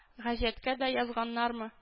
Гәҗәткә дә язганнармы